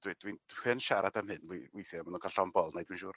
dwi dwi'n dwi yn siarad am hyn wei- weithie ma' nw'n ca'l llon' bol dwi'n